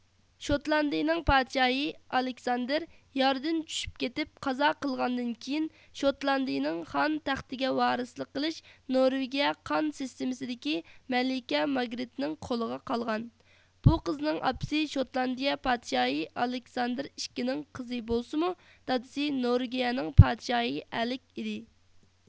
شوتلاندىيىنىڭ پادىشاھى ئالىكساندىر ياردىن چۈشۈپ كىتىپ قازا قىلغاندىن كىيىن شوتلاندىيىنىڭ خان تەختىگە ۋارسلىق قىلىش نورۋېگىيە قان سىسىتىمىسىدىكى مەلىكە ماگرىتنىڭ قولىغا قالغان بۇ قىزنىڭ ئاپىسى شوتلاندىيە پادىشاھى ئالىكساندىر ئىككى نىڭ قىزى بولسىمۇ دادىسى نورۋېگىيەنىڭ پادىشاھى ئەلىك ئىدى